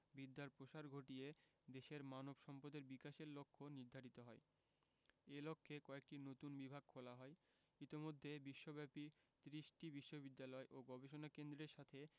বিদ্যার প্রসার ঘটিয়ে দেশের মানব সম্পদের বিকাশের লক্ষ্য নির্ধারিত হয় এ লক্ষ্যে কয়েকটি নতুন বিভাগ খোলা হয় ইতোমধ্যে বিশ্বব্যাপী ত্রিশটি বিশ্ববিদ্যালয় ও গবেষণা কেন্দ্রের সাথে